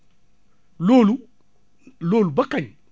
loolu loolu ba kañ